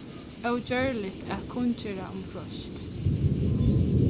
ógjørligt at kunngera um freist